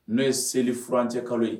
N'o ye seli furancɛ kalo ye